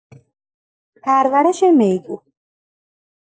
پرورش میگو